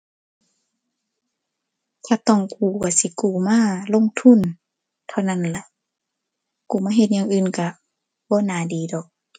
ถ้าต้องกู้ก็สิกู้มาลงทุนเท่านั้นล่ะ กู้มาเฮ็ดอย่างอื่นก็บ่น่าดีดอก